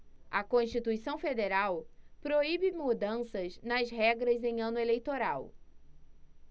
a constituição federal proíbe mudanças nas regras em ano eleitoral